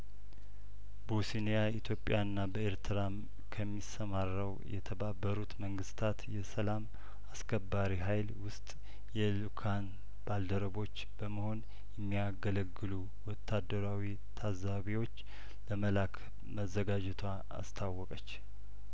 ቦስኒያ ኢትዮጵያና በኤርትራ ከሚሰማራው የተባበሩት መንግስታት የሰላም አስከባሪ ሀይል ውስጥ የልኡካን ባልደረቦች በመሆን የሚያገለግሉ ወታደራዊ ታዛቢዎች ለመላክ መዘጋጀቷ አስታወቀች